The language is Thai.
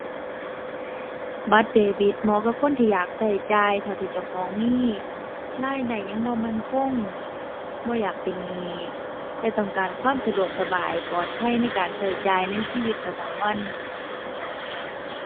บัตรเดบิตเหมาะกับคนที่อยากใช้จ่ายเท่าที่เจ้าของมี รายได้ยังบ่มั่นคง บ่อยากเป็นหนี้ แต่ต้องการความสะดวกสบาย ปลอดภัยในการใช้จ่ายในชีวิตประจำวัน